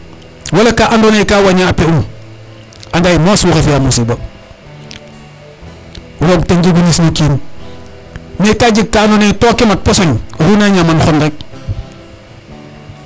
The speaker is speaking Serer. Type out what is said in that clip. wala ka ando naye ka waña a a pe um anda ye moos waxey fiya musiba roog ten jegu ñis no kiin mais ka jeg ka nado naye toke mat posoñ oxu na ñaman xon rek